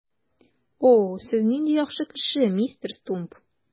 О, сез нинди яхшы кеше, мистер Стумп!